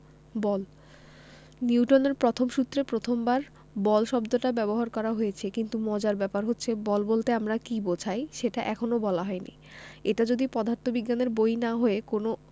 বল নিউটনের প্রথম সূত্রে প্রথমবার বল শব্দটা ব্যবহার করা হয়েছে কিন্তু মজার ব্যাপার হচ্ছে বল বলতে আমরা কী বোঝাই সেটা এখনো বলা হয়নি এটা যদি পদার্থবিজ্ঞানের বই না হয়ে কোনো